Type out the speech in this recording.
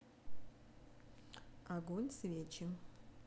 огонь свечи